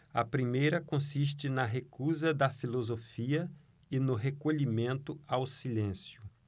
a primeira consiste na recusa da filosofia e no recolhimento ao silêncio